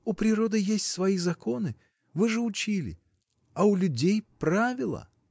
— У природы есть свои законы, вы же учили: а у людей правила!